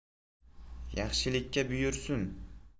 yaxshilikka buyursin